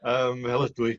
yym fel ydw i